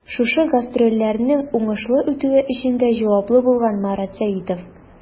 Шушы гастрольләрнең уңышлы үтүе өчен дә җаваплы булган Марат Сәитов.